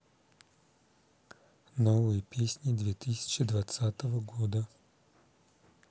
новые песни две тысячи двадцатого года